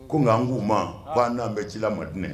Ko nka, an k'u ma, ko an n'an bɛ ci la Madinɛ.